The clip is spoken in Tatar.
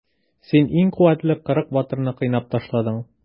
Син иң куәтле кырык батырны кыйнап ташладың.